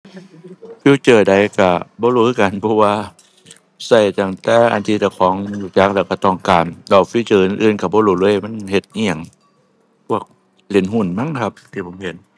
ฟีเจอร์ใดก็บ่รู้คือกัน เพราะว่าก็จั่งแต่อันที่เจ้าของรู้จักแล้วก็ต้องการ แล้วฟีเจอร์อื่นอื่นก็บ่รู้เลยมันเฮ็ดอิหยัง พวกเล่นหุ้นมั้งครับที่ผมเห็น